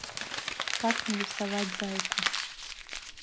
как нарисовать зайку